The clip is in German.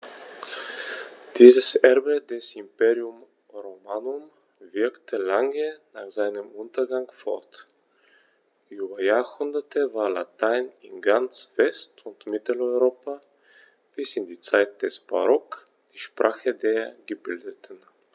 Dieses Erbe des Imperium Romanum wirkte lange nach seinem Untergang fort: Über Jahrhunderte war Latein in ganz West- und Mitteleuropa bis in die Zeit des Barock die Sprache der Gebildeten.